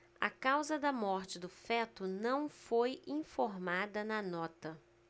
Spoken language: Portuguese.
a causa da morte do feto não foi informada na nota